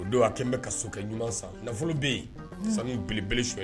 O don a kɛlen n bɛ ka sokɛ ɲuman san nafolo bɛ yen san beley